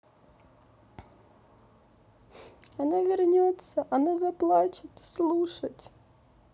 она вернется она заплачет слушать